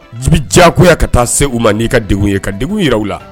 I b'i diyagoya ka taa se u ma n'i ka degun ye ka degun jira u la